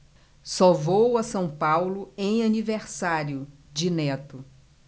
só vou a são paulo em aniversário de neto